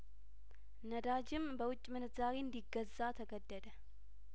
ነዳጅም በውጭ ምንዛሪ እንዲ ገዛ ተገደደ